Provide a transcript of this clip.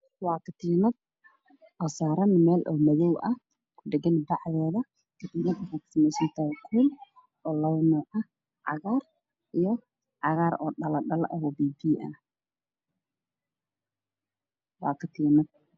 Waa katiinad oo saran mel madow ah katinad waxey kasameysan tayahay kuul oo laba nuuc ah cagar io cagar biyobiyo ah waa katiinad